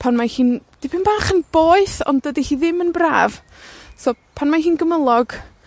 pan mae hi'n dipyn bach yn boeth, ond dydi hi ddim yn braf, so pan mae hi'n gymylog,